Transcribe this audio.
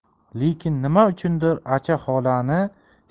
lekin nima uchundir acha